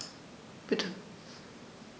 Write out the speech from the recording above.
Bitte.